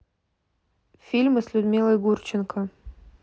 фильмы с людмилой гурченко